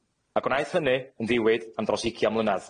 A gwnaeth hynny yn ddiwyd am dros ugian mlynadd.